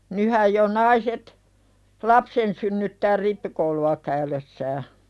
nythän jo naiset lapsen synnyttää rippikoulua käydessään